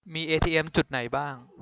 มีเอทีเอมจุดไหนบ้าง